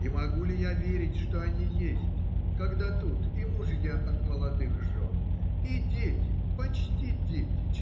И могу ли я верить, что они есть, когда тут и мужья от молодых жен, и дети (почти дети